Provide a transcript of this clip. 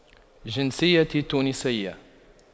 جنسيتي تونسية